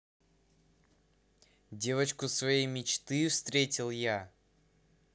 девочку своей мечты встретил я